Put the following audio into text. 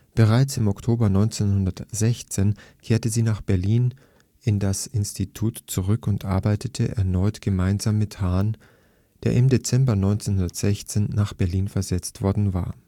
Bereits im Oktober 1916 kehrte sie nach Berlin in das Institut zurück und arbeitete erneut gemeinsam mit Hahn, der im Dezember 1916 nach Berlin versetzt worden war